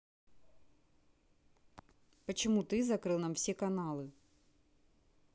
почему ты закрыл нам все каналы